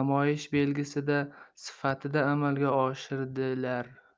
namoyish belgisida sifatida amalga oshirdilar